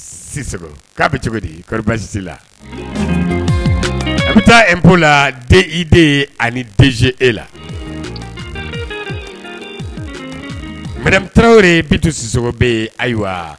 K'a bɛ cogo disi la e bɛ taa e bolo la den i den ani denji e la mtaw ye bitu siso bɛ yen ayiwa